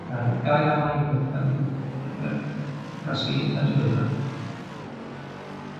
Yy gair am air wedi cael 'u yy yy casglu'n itha diweddar.